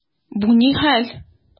Бу ни хәл!